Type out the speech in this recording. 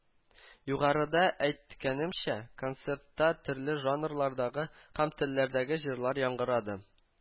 Югарыда әйткәнемчә концертта төрле җанрлардагы һәм телләрдәге җырлар яңгырады